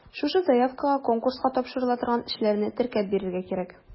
Шушы заявкага конкурска тапшырыла торган эшләрне теркәп бирергә кирәк.